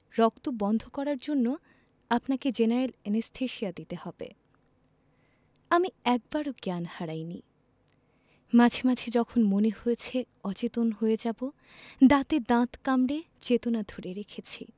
রক্ত বন্ধ করার জন্য আপনাকে জেনারেল অ্যানেসথেসিয়া দিতে হবে আমি একবারও জ্ঞান হারাইনি মাঝে মাঝে যখন মনে হয়েছে অচেতন হয়ে যাবো দাঁতে দাঁত কামড়ে চেতনা ধরে রেখেছি